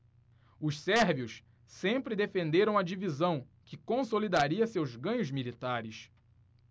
os sérvios sempre defenderam a divisão que consolidaria seus ganhos militares